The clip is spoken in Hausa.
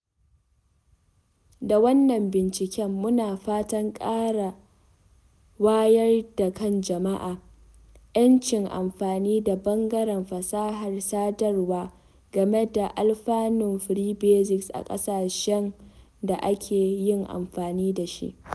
Da wannan binciken, muna fatan ƙara wayar da kan jama’a, 'yancin amfani da ɓangaren fasahar sadarwa game da alfanun Free Basics a ƙasashen da ake yin amfani da shi.